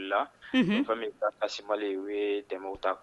Fasi ye dɛmɛw ta